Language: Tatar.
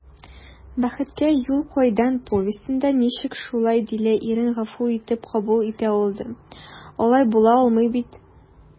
«бәхеткә юл кайдан» повестенда ничек шулай дилә ирен гафу итеп кабул итә алды, алай була алмый бит?»